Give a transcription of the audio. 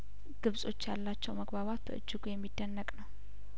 ግብጾች ያላቸው መግባባት በእጅጉ የሚደነቅ ነው